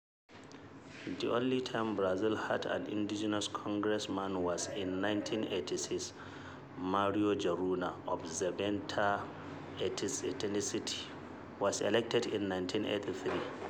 The only time Brazil had an indigenous congressman was in 1986 — Mario Juruna, of Xavante ethnicity, was elected in 1983.